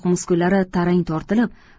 muskullari tarang tortilib